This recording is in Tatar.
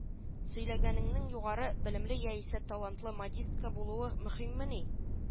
Сөйләгәнеңнең югары белемле яисә талантлы модистка булуы мөһиммени